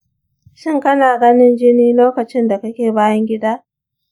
shin kana ganin jini lokacin da kake bayan gida?